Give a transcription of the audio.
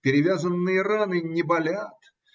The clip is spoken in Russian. Перевязанные раны не болят